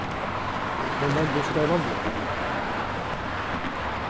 hon vendir skeivan veg